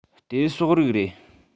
དེ སོག རིགས རེད